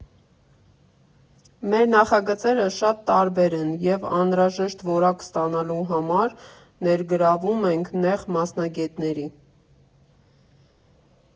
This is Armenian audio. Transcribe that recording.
Մեր նախագծերը շատ տարբեր են, և անհրաժեշտ որակ ստանալու համար ներգրավում ենք նեղ մասնագետների։